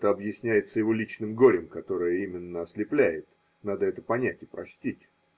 это объясняется его личным горем, которое именно ослепляет надо это понять и простить.